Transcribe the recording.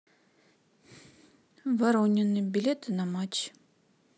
воронины билеты на матч